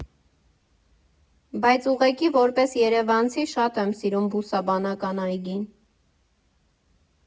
Բայց ուղղակի որպես երևանցի շատ եմ սիրում Բուսաբանական այգին։